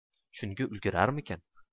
shunga ulgurarmikan